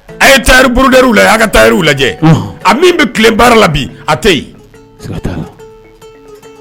A ye tari burudrw la'a ka taariw lajɛ a min bɛ tilen baara la bi a tɛ yen